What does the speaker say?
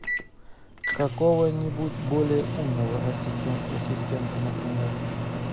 какого нибудь более умного ассистента например